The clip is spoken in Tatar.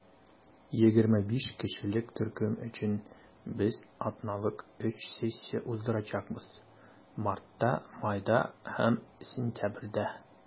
25 кешелек төркем өчен без атналык өч сессия уздырачакбыз - мартта, майда һәм сентябрьдә.